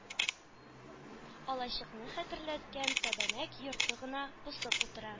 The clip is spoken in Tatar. Алачыкны хәтерләткән тәбәнәк йорты гына посып утыра.